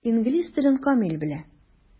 Инглиз телен камил белә.